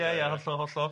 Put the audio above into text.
Ie ie hollol hollol.